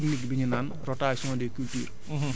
ak technique bi ñu naan rotation des cultures